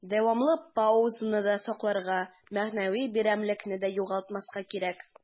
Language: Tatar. Дәвамлы паузаны да сакларга, мәгънәви берәмлекне дә югалтмаска кирәк.